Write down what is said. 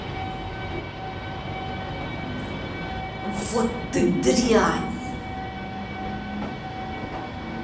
вот ты дрянь